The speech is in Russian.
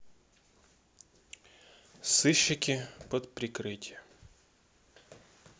сыщики под прикрытием